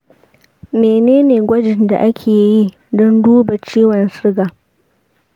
mene ne gwajin da ake yi don duba ciwon suga?